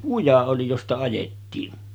kuja oli josta ajettiin